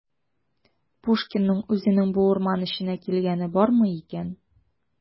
Пушкинның үзенең бу урман эченә килгәне бармы икән?